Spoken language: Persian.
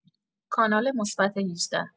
کانال مثبت ۱۸